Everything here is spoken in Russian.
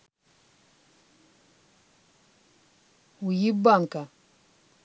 уебанка